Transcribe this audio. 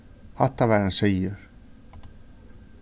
hatta var ein sigur